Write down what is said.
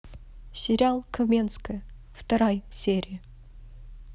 сериал каменская вторая серия